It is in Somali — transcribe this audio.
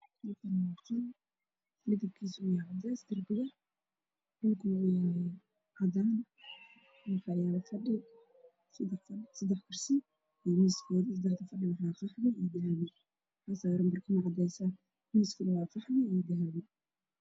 Meeshaan waa qol kalarkiisuna waa cadeys dhulkana waa cadaan waxaa yaalo seddex fadhi oo qaxwi ah waxaa saaran barkimaheedi oo cadeys, miiska waa qaxwi iyo dahabi.